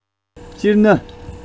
སྤྱིར ན